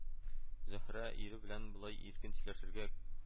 Зөһрә ире белән болай иркен сөйләшергә